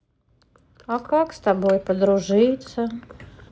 а как с тобой подружиться